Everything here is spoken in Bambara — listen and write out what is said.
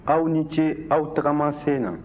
aw ni ce aw tagamasen na